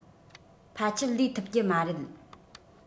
ཕལ ཆེལ ལས ཐུབ རྒྱུ མ རེད